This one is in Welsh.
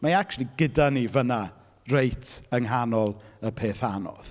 Mae e acshyli gyda ni fan'na reit yng nghanol y peth anodd.